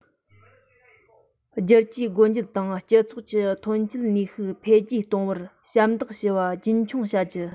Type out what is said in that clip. བསྒྱུར བཅོས སྒོ འབྱེད དང སྤྱི ཚོགས ཀྱི ཐོན སྐྱེད ནུས ཤུགས འཕེལ རྒྱས གཏོང བར ཞབས འདེགས ཞུ བ རྒྱུན འཁྱོངས བྱ རྒྱུ